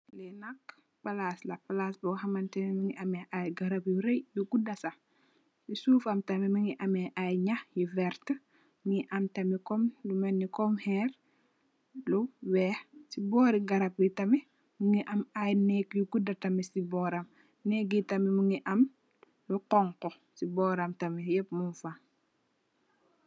Lii nak plass la, plass bor hamanteh neh mungy ameh aiiy garab yu reiiy yu gudah sa, cii sufam tamit mungy ameh aiiy njahh yu vertue, mungy am tamit kom lu melni kom kherre lu wekh, cii bohri garab bii tamit mungy am aiiy nehgg yu gudah tamit cii bohram, nehggi tamit mungy am lu honhu cii bohram tamit yehpp mung fa.